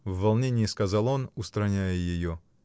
— в волнении сказал он, устраняя ее.